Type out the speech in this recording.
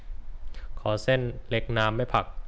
ขอเส้นเล็กน้ำไม่ผัก